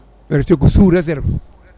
waɗete ko sous réserve